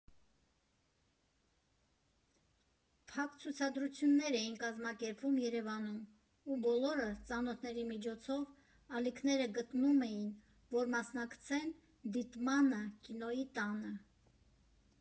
Փակ ցուցադրություններ էին կազմակերպվում Երևանում, ու բոլորը, ծանոթների միջոցով, «ալիքները գտնում էին», որ մասնակցեն դիտմանը Կինոյի տանը։